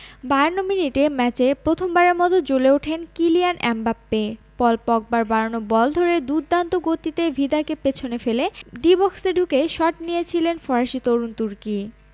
৫২ মিনিটে ম্যাচে প্রথমবারের মতো জ্বলে উঠেন কিলিয়ান এমবাপ্পে পল পগবার বাড়ানো বল ধরে দুর্দান্ত গতিতে ভিদাকে পেছনে ফেলে ডি বক্সে ঢুকে শট নিয়েছিলেন ফরাসি তরুণ তুর্কি